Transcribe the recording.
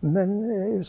men